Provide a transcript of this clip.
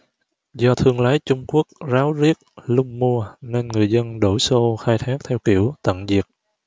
do thương lái trung quốc ráo riết lùng mua nên người dân đổ xô khai thác theo kiểu tận diệt